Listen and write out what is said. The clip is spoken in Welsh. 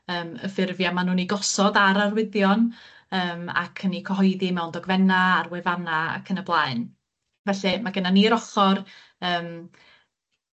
yym y ffurfia' ma' nw'n 'u gosod ar arwyddion yym ac yn 'u cyhoeddi mewn dogfenna' ar wefanna' ac yn y blaen, felly ma' gennan ni yr ochor yym